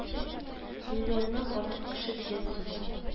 Миллионнан артык кеше дигән сүз